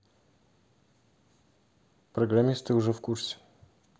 программисты уже в курсе